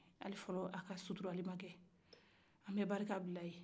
ali fɔlɔ a ka sutrali ma kɛ